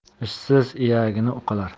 ishsiz iyagini uqalar